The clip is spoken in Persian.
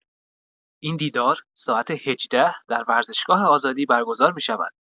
این دیدار ساعت ۱۸ در ورزشگاه آزادی برگزار می‌شود.